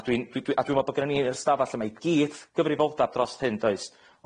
A dwi'n dwi dwi a dwi me'wl bo' gennyn ni yr ystafell yma i gyd gyfrifoldab dros hyn, does?